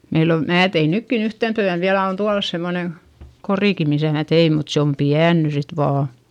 meillä on minä tein nytkin yhtenä työnä vielä on tuolla semmoinen korikin missä minä tein mutta se on pieni nyt sitten vain